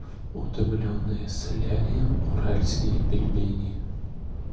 утомленные солярием уральские пельмени